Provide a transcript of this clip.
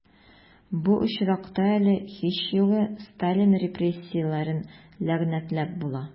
Бу очракта әле, һич югы, Сталин репрессияләрен ләгънәтләп була...